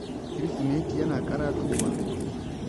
Kirsimeti yana ƙaratowa.